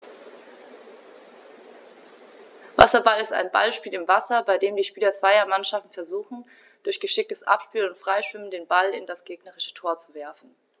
Wasserball ist ein Ballspiel im Wasser, bei dem die Spieler zweier Mannschaften versuchen, durch geschicktes Abspielen und Freischwimmen den Ball in das gegnerische Tor zu werfen.